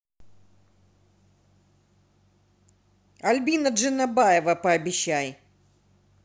альбина джанабаева пообещай